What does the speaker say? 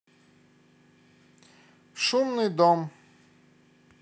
шумный дом